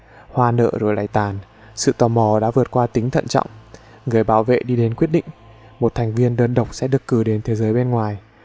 hoa nở rồi lại tàn sự tò mò đã vượt qua tính thận trọng những người bảo vệ đi đến một quyết định một thành viên đơn độc sẽ được gửi tới thế giới bên ngoài